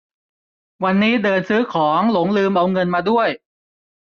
วันนี้เดินซื้อของหลงลืมเอาเงินมากด้วย